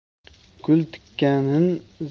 gul tikanin zahri